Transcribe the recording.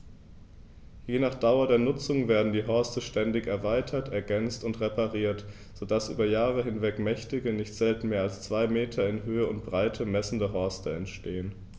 Je nach Dauer der Nutzung werden die Horste ständig erweitert, ergänzt und repariert, so dass über Jahre hinweg mächtige, nicht selten mehr als zwei Meter in Höhe und Breite messende Horste entstehen.